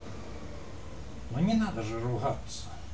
ну не надо же ругаться